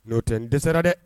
N'o tɛ n dɛsɛsirara dɛ